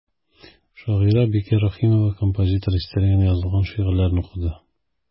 Шагыйрә Бикә Рәхимова композитор истәлегенә язылган шигырьләрен укыды.